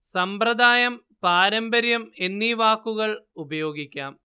സമ്പ്രദായം പാരമ്പര്യം എന്നീ വാക്കുകൾ ഉപയോഗിക്കാം